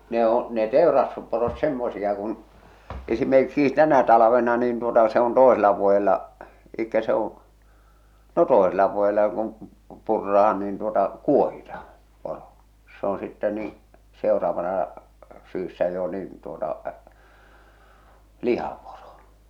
ne on ne teurastusporot semmoisia kuin esimerkiksi tänä talvena niin tuota se on toisella vuodella eli se on no toisella vuodella joka on purraan niin tuota kuohitaan poro se on sitten niin seuraavana syksynä jo niin tuota lihaporo